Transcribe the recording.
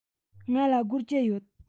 ང ལ སྒོར བཅུ ཡོད